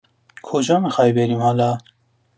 کجا می‌خوای بریم حالا؟